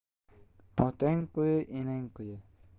otang qui enang qui